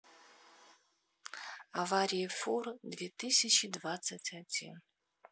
аварии фур две тысячи двадцать один